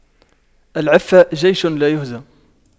العفة جيش لايهزم